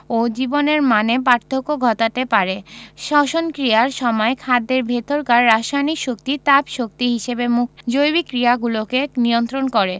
ও জীবনের মানে পার্থক্য ঘটাতে পারে শ্বসন ক্রিয়ার সময় খাদ্যের ভেতরকার রাসায়নিক শক্তি তাপ শক্তি হিসেবে জৈবিক ক্রিয়াগুলোকে নিয়ন্ত্রন করে